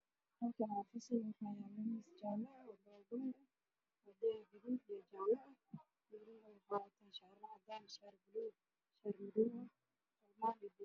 Waa school waxaa jooga wiilal casharo qoraayo